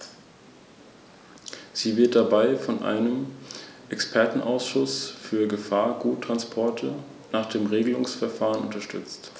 Aber ich glaube, dass wir alles unternehmen sollten, um den Transport gefährlicher Güter so gering wie möglich zu halten, und zwar in allen Ländern, ob Transitländer oder nicht.